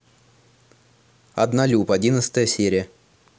однолюб одиннадцатая серия